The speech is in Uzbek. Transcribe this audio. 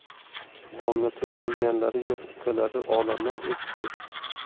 domla to'y qilganlari yo'q ukalari olamdan o'tdi